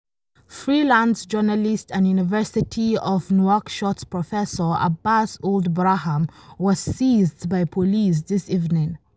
Freelance journalist and University of Nouakchott Professor Abbass Ould Braham was seized by police this evening.